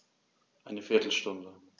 Eine viertel Stunde